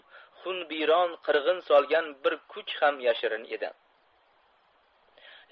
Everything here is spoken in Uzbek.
xunbiyron qirg'in solgan bir kuch ham yashirin edi